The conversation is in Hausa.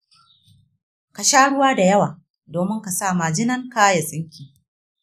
ka sha ruwa da yawa domin ka sa majinan ka ya tsinke.